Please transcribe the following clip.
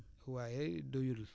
waaye doyul